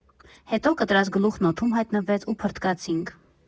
Հետո կտրած գլուխն օդում հայտնվեց, ու փռթկացինք։